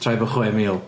Tribe o chwe mil.